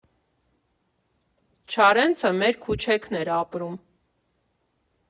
Չարենցը մեր քուչեքն էր ապրում։